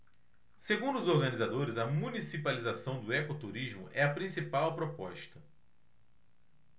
segundo os organizadores a municipalização do ecoturismo é a principal proposta